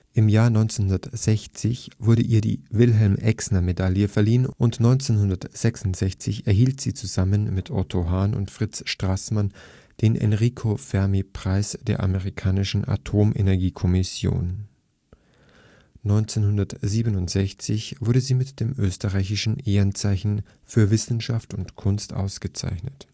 Im Jahr 1960 wurde ihr die Wilhelm-Exner-Medaille verliehen und 1966 erhielt sie zusammen mit Otto Hahn und Fritz Straßmann den Enrico-Fermi-Preis der amerikanischen Atomenergie-Kommission. 1967 wurde sie mit dem Österreichischen Ehrenzeichen für Wissenschaft und Kunst ausgezeichnet